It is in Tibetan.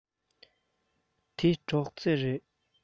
འདི སྒྲོག རྩེ རེད